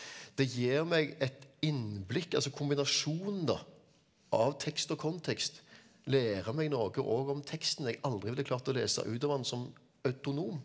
det gir meg et innblikk altså kombinasjonen da av tekst og kontekst lærer meg noe òg om teksten jeg aldri ville klart å lese ut av han som autonom.